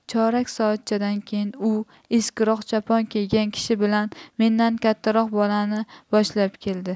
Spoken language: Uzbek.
chorak soatchadan keyin u eskiroq chopon kiygan kishi bilan mendan kattaroq bolani boshlab keldi